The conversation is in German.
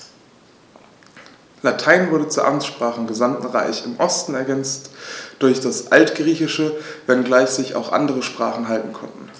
Latein wurde zur Amtssprache im gesamten Reich (im Osten ergänzt durch das Altgriechische), wenngleich sich auch andere Sprachen halten konnten.